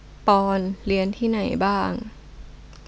ปอนด์เรียนที่ไหนบ้าง